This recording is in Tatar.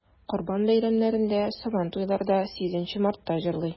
Корбан бәйрәмнәрендә, Сабантуйларда, 8 Мартта җырлый.